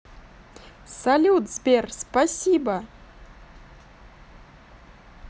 салют сбер спасибо